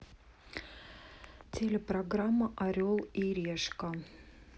телепрограмма орел и решка